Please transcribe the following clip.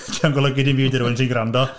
Dio'n golygu ddim byd i rywun sy'n gwrando.